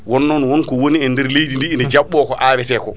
wonnon wonko woni e nder leydi ndi ina jaɓɓo ko awete ko